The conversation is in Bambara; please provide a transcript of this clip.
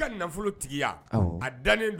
Nafolo